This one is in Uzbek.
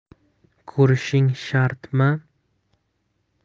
ko'rishing shartmi